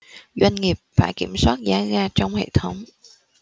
doanh nghiệp phải kiểm soát giá gas trong hệ thống